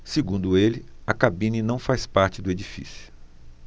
segundo ele a cabine não faz parte do edifício